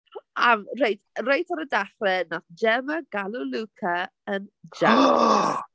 A reit reit ar y dechrau wnaeth Gemma galw Luca yn Jax .